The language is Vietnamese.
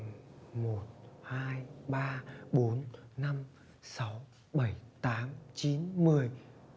một hai ba bốn năm sáu bảy tám chín mười